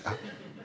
ja.